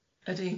Ydi.